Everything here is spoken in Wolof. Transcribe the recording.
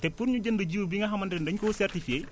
te pour ñu jënd jiw bi nga xamante ne dañ koo certifiée